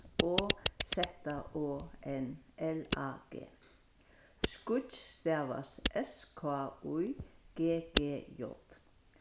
o z o n l a g skýggj stavast s k í g g j